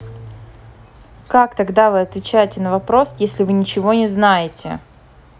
как тогда вы отвечаете на вопрос если вы ничего не знаете